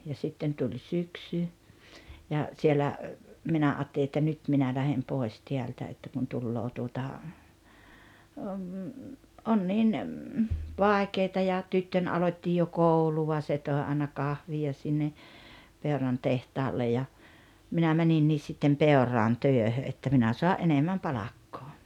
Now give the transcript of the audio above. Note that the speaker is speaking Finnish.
ja sitten tuli syksy ja siellä minä ajattelin että nyt minä lähden pois täältä että kun tulee tuota on niin vaikeata ja tyttöni aloitti jo koulua se toi aina kahvia sinne Peuran tehtaalle ja minä menin sitten Peuraan työhön että minä saan enemmän palkkaa